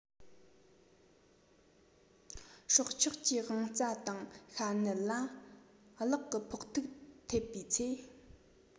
སྲོག ཆགས ཀྱི དབང རྩ དང ཤ གནད ལ གློག གི ཕོག ཐུག ཐེབས པའི ཚེ